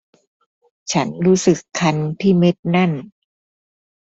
ฉันรู้สึกคันที่เม็ดนั่น